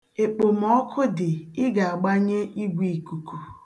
Ekpomọkụ dị, ị ga-agbanye igwiikuku.